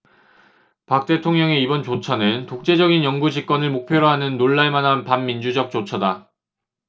박 대통령의 이번 조처는 독재적인 영구집권을 목표로 하는 놀랄 만한 반민주적 조처다